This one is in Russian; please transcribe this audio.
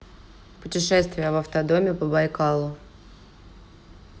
путешествие в автодоме по байкалу